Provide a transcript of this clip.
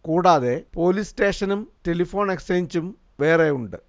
കൂടാതെ പൊലിസ് സ്റ്റേഷനും ടെലിഫോൺ എക്സ്ചേഞ്ചും വേറെ ഉണ്ട്